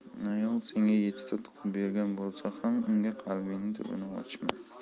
ayol senga yettita tug'ib bergan bo'lsa ham unga qalbingning tubini ochma